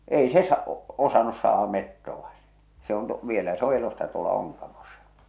ei se - osannut saada metsoa se se on - vielä se on elossa tuolla Onkamossa